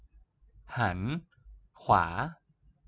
หันขึ้วา